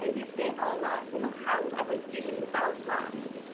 ydi'r lle ola lle ma' pawb efo'i gilydd fel plant